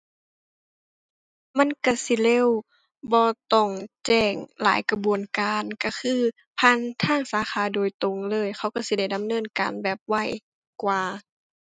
มันก็สิเร็ว บ่ต้องแจ้งหลายกระบวนการ ก็คือผ่านทางสาขาโดยตรงเลย เขาก็สิได้ดำเนินการแบบไวกว่า